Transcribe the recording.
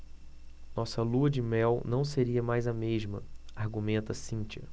nossa lua-de-mel não seria mais a mesma argumenta cíntia